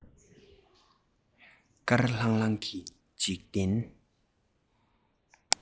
དཀར ལྷང ལྷང གི འཇིག རྟེན